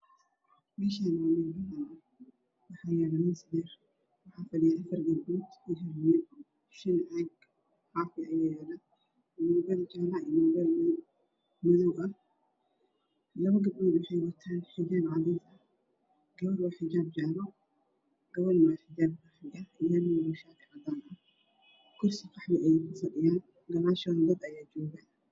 Meeshaan waa meel banaan waxaa yaalo miis dheer waxaa fadhiya afar gabdhood iyo hal wiil ah, shan caag caafi ah ayaa yaalo. Midna jaale ah midna madow ah labo gabar waxay wataan xijaab cadeys ah. Gabar waa xijaab jaalo, gabar na waa xijaab qaxwi ah iyo hal wiil oo shaati cadaan ah. Kursi qaxwi ah ayay ku fadhiyaan gadaashoodana dad ayaa jooga.